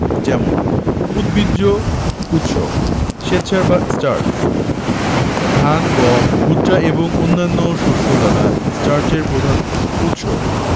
যেমন উদ্ভিজ্জ উৎস শ্বেতসার বা স্টার্চ ধান গম ভুট্টা এবং অন্যান্য শস্য দানা স্টার্চের প্রধান উৎস